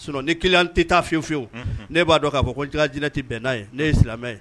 Sinon ni client tɛ taa fewu fewu; Unhun. Ne b'a dɔn k'a fɔ ne ka diinɛ tɛ bɛn n'a ye; ne ye silamɛ ye